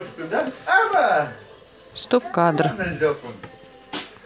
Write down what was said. стоп кадр